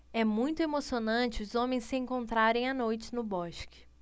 é muito emocionante os homens se encontrarem à noite no bosque